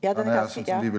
ja den er ja.